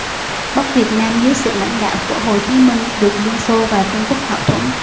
bắc việt nam dưới sự lãnh đạo của hồ chí minh được liên xô và trung quốc hậu thuẫn